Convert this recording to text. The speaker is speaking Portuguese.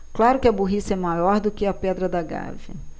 claro que a burrice é maior do que a pedra da gávea